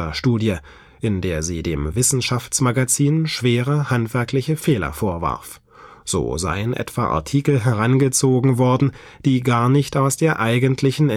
Nature-Studie, in der sie dem Wissenschaftsmagazin schwere handwerkliche Fehler vorwarf – so seien etwa Artikel herangezogen worden, die gar nicht aus der eigentlichen